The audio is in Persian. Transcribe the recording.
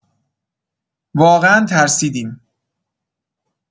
واقعا ترسیدیم.